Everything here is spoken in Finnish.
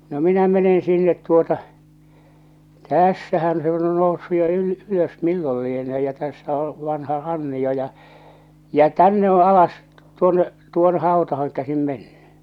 no minä menen sinne tuota tässähän se on jo noussut jo - ylös milloin lienee ja tässä on vanha rannio ja ja tänne on alas tuonne tuonne hautaan käsin mennyt